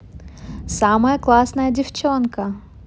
самая классная девчонка